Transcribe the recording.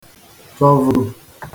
chọ̀vù